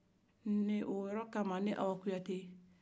o yɔrɔ kama ne awa kuyate